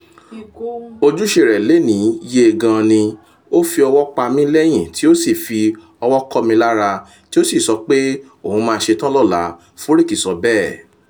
"Ojúṣe rẹ̀ lónìí ye gan an ni, ó fi ọwọ́ pa mí lẹ́yìn tí ó sì fi ọwọ́ kọ́ mi lara tí ó sì sọ pé òun máa ṣetán lọ́la,” Furyk sọ bẹ́ẹ̀.